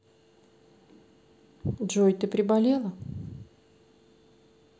джой ты приболела